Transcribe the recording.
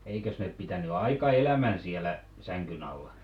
eikös ne pitänyt aika elämän siellä sängyn alla